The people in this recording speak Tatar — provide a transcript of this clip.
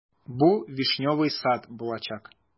Бу "Вишневый сад" булачак.